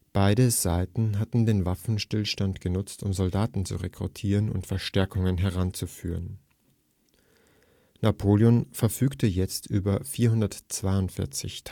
Beide Seiten hatten den Waffenstillstand benutzt, um Soldaten zu rekrutieren und Verstärkungen heranzuführen. Napoleon verfügte jetzt über 442.000